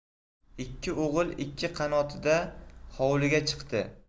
ikki o'g'il ikki qanotida hovliga chiqdi